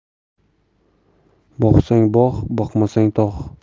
boqsang bog' boqmasang tog'